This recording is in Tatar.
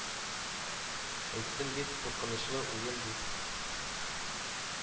Әйттем бит, куркынычлы уен, дип